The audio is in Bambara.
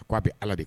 A ko a bɛ ala de kɛ